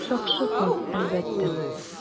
Шакшы кан, әлбәттә.